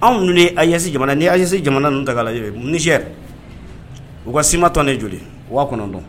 anwse ni anzse jamana ta ni u ka simatɔ ne joli u' kɔnɔ